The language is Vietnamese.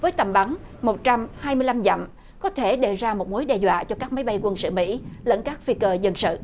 với tầm bắn một trăm hai mươi lăm dặm có thể đề ra một mối đe dọa cho các máy bay quân sự mỹ lẫn các phi cơ dân sự